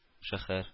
Шәһәр